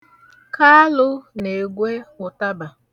Kalụ na-egwe ụtaba.